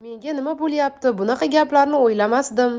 menga nima bo'lyapti bunaqa gaplarni o'ylamasdim